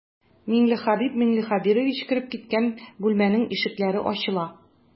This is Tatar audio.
Миңлехәбиб миңлехәбирович кереп киткән бүлмәнең ишекләре ачыла.